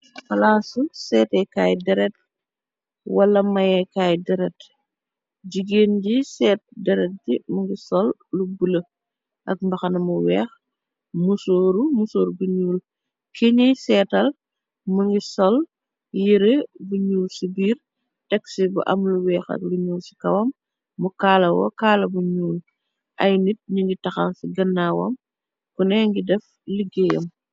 Palaasu seetekaay deret wala mayekaay deret, jigéen ji seet deret ji mu ngi sol lu bule, ak mbaxana mu weex, musoor, musoor gu ñuul, kiñiy seetal mu ngi sol yere bu ñuul ci biir, tegsi bu am lu weex ak lu ñuul ci kawam, mu kaalawoo kaala gu ñuul, ay nit ñi ngi taxaw ci gënnaawam kune ngi def liggéeyam